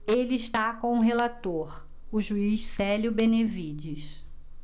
ele está com o relator o juiz célio benevides